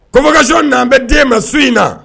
Ko bokasi na bɛ den ma su in na